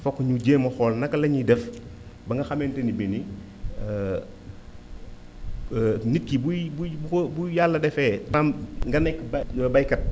foog ñu jéem a xool naka la ñuy def ba nga xamante ni bi ni nit ki buy buy bu ko bu yàlla defee am nga nekk baykat